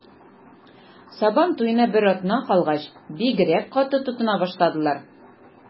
Сабан туена бер атна калгач, бигрәк каты тотына башладылар.